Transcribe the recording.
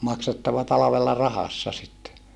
maksettava talvella rahassa sitten